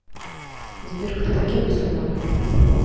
сбер кто такие мусульмане